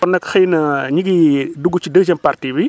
kon nag xëy na ñu ngi dugg ci deuxième partie bi